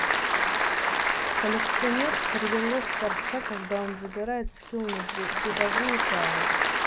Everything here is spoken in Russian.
коллекционер провело старца когда он забирает скил на бедовую тару